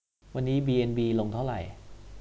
วันนี้บีเอ็นบีลงเท่าไหร่